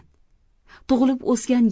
tug'ilib o'sgan